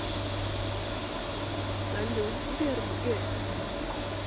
салют сбер г